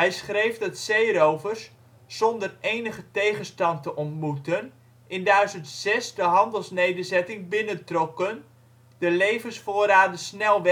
schreef dat zeerovers zonder enige tegenstand te ontmoeten in 1006 de handelsnederzetting binnentrokken, de levensvoorraden snel